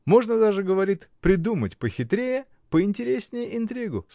Можно даже, говорит, придумать похитрее, поинтереснее интригу.